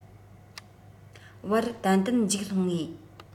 བར ཏན ཏན འཇིགས སློང ངེས